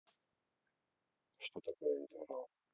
что такое интеграл